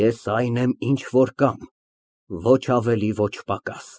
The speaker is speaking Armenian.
Ես այն եմ, ինչ որ կամ, ոչ ավելի, ոչ պակաս։